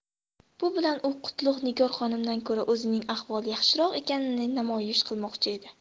bu bilan u qutlug' nigor xonimdan ko'ra o'zining ahvoli yaxshiroq ekanini namoyish qilmoqchi edi